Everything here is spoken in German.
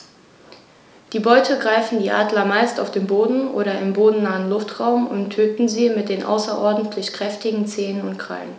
Die Beute greifen die Adler meist auf dem Boden oder im bodennahen Luftraum und töten sie mit den außerordentlich kräftigen Zehen und Krallen.